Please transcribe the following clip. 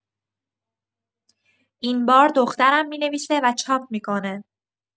این بار دخترم می‌نویسه و چاپ می‌کنه.